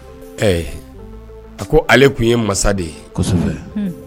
A ko ale tun ye masa de ye